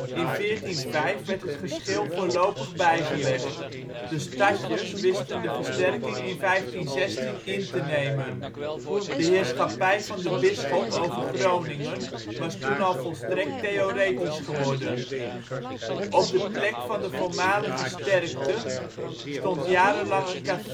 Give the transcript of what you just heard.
In 1405 werd het geschil voorlopig bijgelegd. De stadjers wisten de versterking in 1516 in te nemen. De heerschappij van de bisschop over Groningen was toen al een volstrekt theoretische geworden. Op de plek van de voormalige sterkte stond jarenlang een café